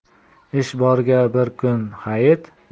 ishi borga bir kun hayit